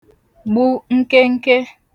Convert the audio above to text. gbu nkenke